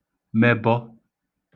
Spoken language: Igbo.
mebọ